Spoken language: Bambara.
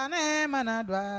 Sa ma don